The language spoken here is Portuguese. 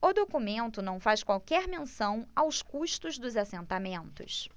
o documento não faz qualquer menção aos custos dos assentamentos